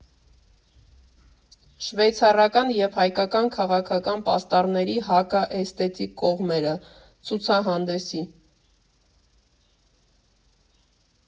Շվեյցարական և հայկական քաղաքական պաստառների (հակա)էսթետիկ կողմերը» ցուցահանդեսի։